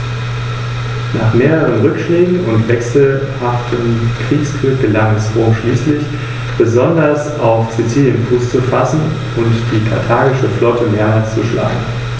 Im Gegensatz zu allen anderen Vertretern der Gattung hebt der Steinadler seine Flügel im Segelflug leicht an, so dass ein leicht V-förmiges Flugbild zustande kommt.